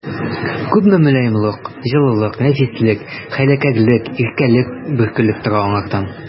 Күпме мөлаемлык, җылылык, нәфислек, хәйләкәрлек, иркәлек бөркелеп тора аңардан!